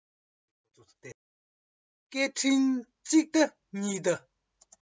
སྐད འཕྲིན གཅིག ལྟ གཉིས ལྟ